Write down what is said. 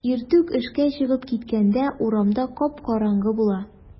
Иртүк эшкә чыгып киткәндә урамда кап-караңгы була.